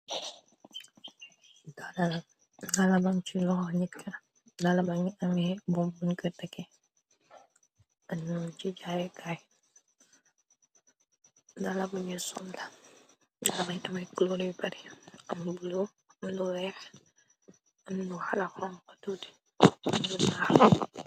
Dalaban ci loxo nikka dalaba ngi amee bom bungëtake annoo ci jaarekaay dalabuñu som la dalabay amay klory bare am bulu mënoweex amnu xalaxonxatuuti nrunaax.